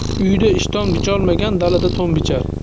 uyida ishton bicholmagan dalada to'n bichar